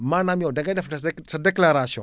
maanaam yow da ngay def rek sa déclaration